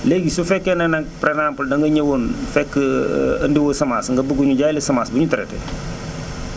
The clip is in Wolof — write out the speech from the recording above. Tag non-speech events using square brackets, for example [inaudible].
léegi su fekkee ne nag par exemple da nga ñewoon [noise] fekk [hesitation] ëndi woo semence nga bëgg ñu jaay la semence bu ñu traité [noise]